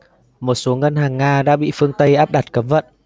một số ngân hàng nga đã bị phương tây áp đặt cấm vận